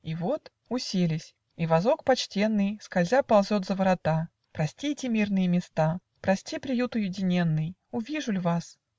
И вот Уселись, и возок почтенный, Скользя, ползет за ворота. "Простите, мирные места! Прости, приют уединенный! Увижу ль вас?.